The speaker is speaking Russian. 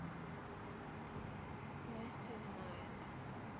настя знает